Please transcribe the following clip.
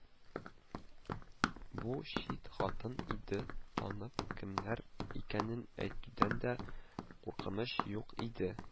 Бу чит хатын иде, танып кемнәр икәнен әйтүдән дә куркыныч юк иде